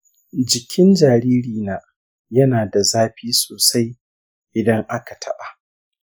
jikin jaririna yana da zafi sosai idan aka taɓa.